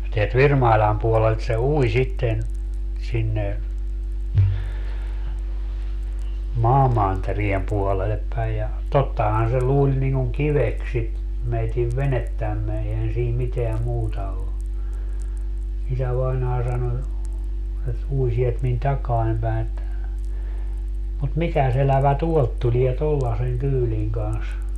täältä Virmailan puolelta se ui sitten sinne maamantereen puolelle päin ja tottahan se luuli niin kuin kiveksi sitä meidän venettämme eihän siinä mitään muuta ole isävainaja sanoi että ui sieltä minun takaani päin että mutta mikäs elävä tuolta tulee tuollaisen kyydin kanssa